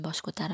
bosh ko'tarib